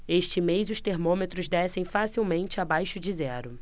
este mês os termômetros descem facilmente abaixo de zero